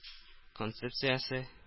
Концепциясе